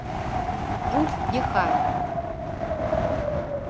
пульт не хай